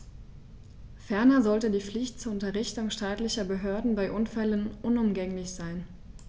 Ferner sollte die Pflicht zur Unterrichtung staatlicher Behörden bei Unfällen unumgänglich sein.